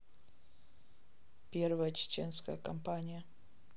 первая чеченская компания